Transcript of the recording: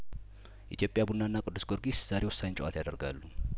ኢትዮጵያ ቡናና ቅዱስ ጊዮርጊስ ዛሬ ወሳኝ ጨዋታ ያደርጋሉ